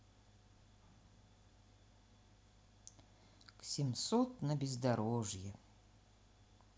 к семьсот на бездорожье